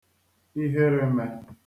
(iherē) -me